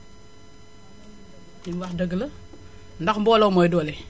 waa Ibrahima li mu wax dëgg la ndax mbooloo mooy doole